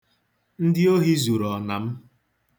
Ndị ohi zuru ọna m.